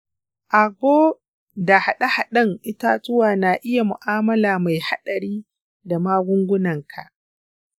agbo da haɗe haɗen itatuwa nayi iya mu'amala mai haɗari da magungunan ka